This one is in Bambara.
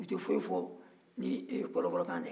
u tɛ foyi fɔ ni ɛ ɛ kɔrɔbɔrɔkan tɛ